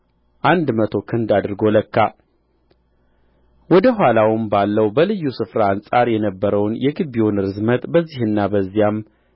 አንድ መቶ ክንድ አድርጎ ለካ ወደ ኋላውም ባለው በልዩ ስፍራ አንጻር የነበረውን የግቢውን ርዝመት በዚህና በዚያም